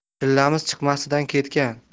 chillamiz chiqmasidan ketgan